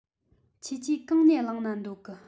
ཁྱེད ཆོས གང ནས བླངས ན འདོད གི